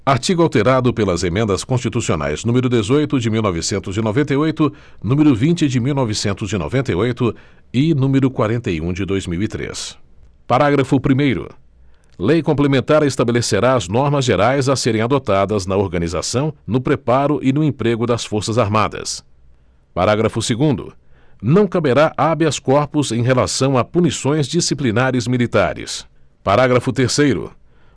artigo alterado pelas emendas constitucionais número dezoito de mil e novecentos e noventa e oito número vinte de mil novecentos e noventa e oito e número quarenta e um de dois mil e três parágrafo primeiro lei complementar estabelecerá as normas gerais a serem adotadas na organização no preparo e no emprego das forças armadas parágrafo segundo não caberá habeas corpus em relação a punições disciplinares militares parágrafo terceiro